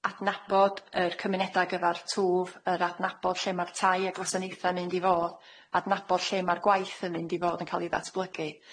adnabod yr cymuneda' a' gyfar twf, yr adnabod lle ma'r tai a gwasanaethe yn mynd i fod, adnabod lle ma'r gwaith yn mynd i fod yn ca'l 'i ddatblygu.